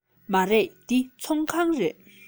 མ རེད འདི ཚོང ཁང རེད